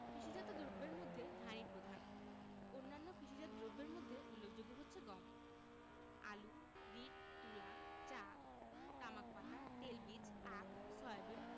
কৃষিজাত দ্রব্যের মধ্যে ধানই প্রধান অন্যান্য কৃষিজাত দ্রব্যের মধ্যে উল্লেখযোগ্য হচ্ছে গম আলু রীট তুলা চা তামাক পাতা তেলবীজ আখ সয়াবিন